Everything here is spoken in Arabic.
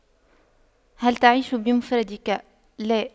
هل تعيش بمفردك لا